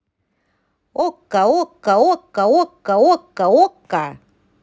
okko okko okko okko okko okko